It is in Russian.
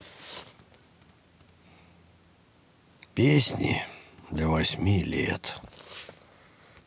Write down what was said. песни для восьми лет